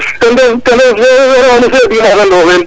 te ref ten refa nu meen Chef du village a Ndofeen